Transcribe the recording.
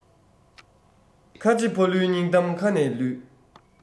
ཁ ཆེ ཕ ལུའི སྙིང གཏམ ཁ ནས ལུད